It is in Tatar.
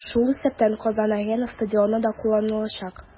Шул исәптән "Казан-Арена" стадионы да кулланылачак.